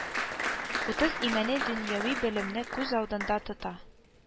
Утыз-Имәни дөньяви белемне күз алдында тота